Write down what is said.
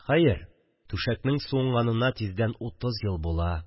Хәер, түшәкнең суынганына тиздән утыз ел була